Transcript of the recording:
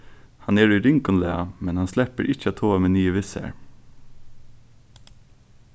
hann er í ringum lag men hann sleppur ikki at toga meg niður við sær